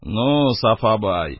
— ну, сафа бай,